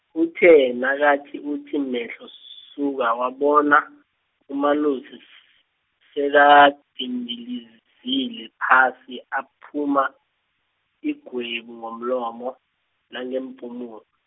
uthe nakathi uthi mehlo suka wabona, uMalusi s- sekadindilizile phasi, aphuma, igwebu, ngomlomo, nangempumu-.